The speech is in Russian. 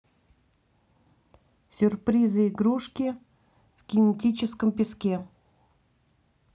сюрпризы игрушки в кинетическом песке